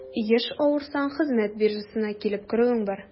Еш авырсаң, хезмәт биржасына килеп керүең бар.